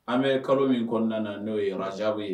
An bɛ kalo min kɔnɔna na n'o ye rajaba ye